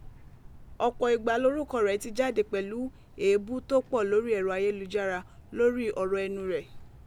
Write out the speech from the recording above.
Ọpọ igba lorukọ rẹ ti jade pẹlu eebu to pọ lori ẹrọ ayelujara lori ọrọ ẹnu rẹ.